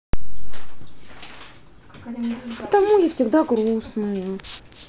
потому я всегда грустная